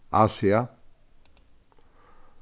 asia